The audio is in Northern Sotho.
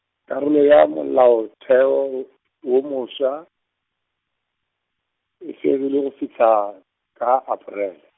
karolo ya molaotheo w-, wo mofsa, e fegilwe go fihla, ka Aparele.